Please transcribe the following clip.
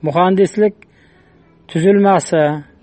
muhandislik tuzilmasi